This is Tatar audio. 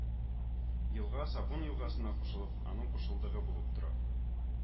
Елга Сабун елгасына кушылып, аның кушылдыгы булып тора